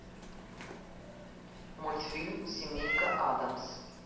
мультфильм семейка аддамс